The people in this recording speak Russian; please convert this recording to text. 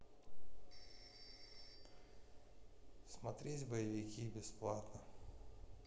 смотреть боевики бесплатно